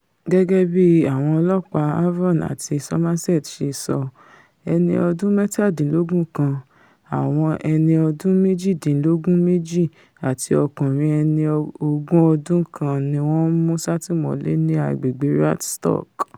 Gẹgẹ bíi àwọn Ọlọ́ọ̀pá Avon àti Somerset ṣe sọ, ẹni ọdún mẹ́tadínlógún kan, àwọn ẹni ọdún méjìdínlógún méji àti ọkùnrin ẹni ogún ọdún kan ní wọ́n mú ṣátìmọ́lé ní agbègbè Radstock.